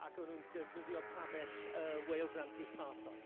ac oedden nhw'n defnyddio pabell yy Wales Anti-Apartheid.